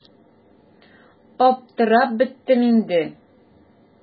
Аптырап беттем инде.